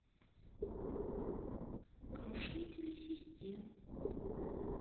крушители систем